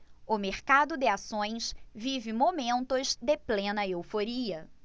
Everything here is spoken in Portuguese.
o mercado de ações vive momentos de plena euforia